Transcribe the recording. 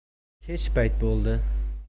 kech payt bo'ldi